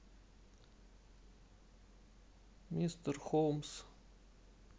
мистер холмс